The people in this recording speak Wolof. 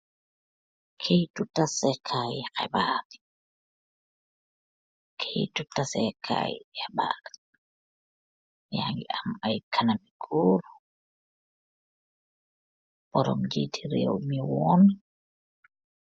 Keitu taseh kaii khibarr gii, keitu taseh kaii khibarr, yangy am aiiy kanami gorre, borom njiiti rewmi won.